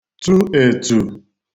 tu ètù